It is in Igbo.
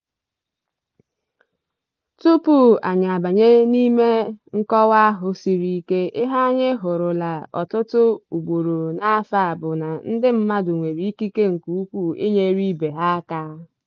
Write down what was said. Tụpụ anyị abanye n'ime nkọwa ahụ siri ike, ihe anyị hụrụla ọtụtụ ugboro n'afọ a bụ na ndị mmadụ nwere ikike nke ukwuu inyere ibe ha aka.